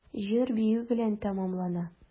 Җыр-бию белән тәмамлана.